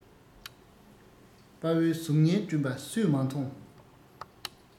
དཔའ བོའི གཟུགས བརྙན བསྐྲུན པ སུས མ མཐོང